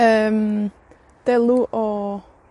Yym, delw o,